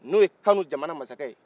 n'o ye kanu jamana masakɛ ye